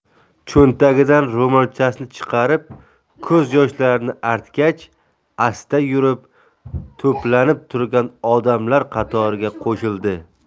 cho'ntagidan ro'molchasini chiqarib ko'z yoshlarini artgach asta yurib to'planib turgan odamlar qatoriga qo'shildi